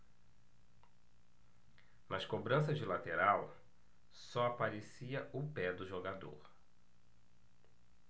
nas cobranças de lateral só aparecia o pé do jogador